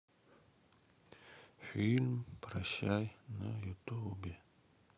фильм прощай на ютубе